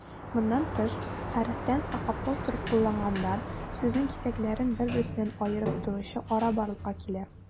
Моннан тыш, хәрефтән соң апостроф кулланганда, сүзнең кисәкләрен бер-берсеннән аерып торучы ара барлыкка килә.